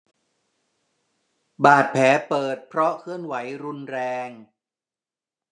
บาดแผลเปิดเพราะเคลื่อนไหวรุนแรง